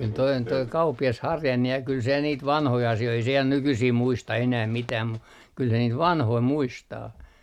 kyllä tuo on tuo kauppias Harjanne ja kyllä se niitä vanhoja asioita ei se ja nykyisin muista enää mitään mutta kyllä se niitä vanhoja muistaa